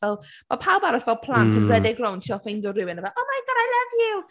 Fel, mae pawb arall fel plant yn rhedeg rownd, trio ffeindio rhywun a fel oh, my God, I love you!